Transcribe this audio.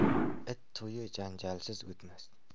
it to'yi janjalsiz o'tmas